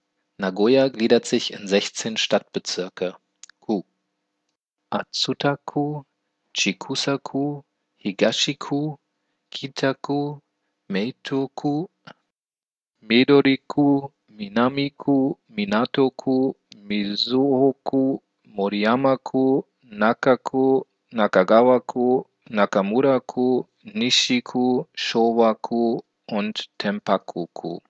Nagoya gliedert sich in 16 Stadtbezirke (- ku) Atsuta-ku Chikusa-ku Higashi-ku Kita-ku Meitō-ku Midori-ku Minami-ku Minato-ku Mizuho-ku Moriyama-ku Naka-ku Nakagawa-ku Nakamura-ku Nishi-ku Shōwa-ku Tempaku-ku